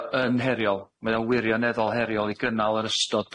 o yn heriol mae o wirioneddol heriol i gynnal yr ystod